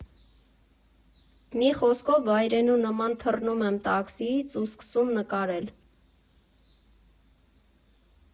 Մի խոսքով, վայրենու նման թռնում եմ տաքսիից ու սկսում նկարել։